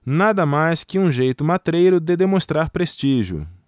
nada mais que um jeito matreiro de demonstrar prestígio